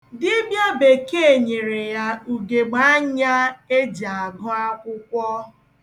Dibịa bekee nyere ya ugegbeanya e ji agụ akwụkwọ.